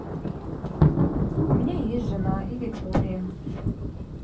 у меня есть жена и виктория